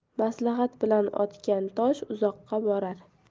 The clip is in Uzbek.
maslahat bilan otgan tosh uzoqqa borar